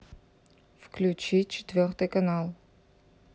включи четвертый канал